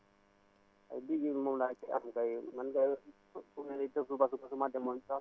ay digg bi moom laa si am kay man kay fi mu ne nii si suba si su ma demoon sax